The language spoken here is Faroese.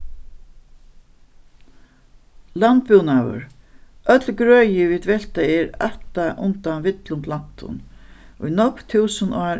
landbúnaður øll grøði vit velta er ættað undan villum plantum í nógv túsund ár